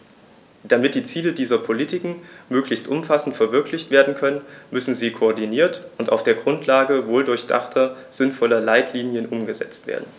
Damit die Ziele dieser Politiken möglichst umfassend verwirklicht werden können, müssen sie koordiniert und auf der Grundlage wohldurchdachter, sinnvoller Leitlinien umgesetzt werden.